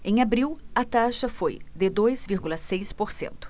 em abril a taxa foi de dois vírgula seis por cento